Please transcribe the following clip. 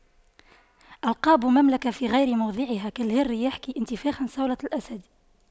ألقاب مملكة في غير موضعها كالهر يحكي انتفاخا صولة الأسد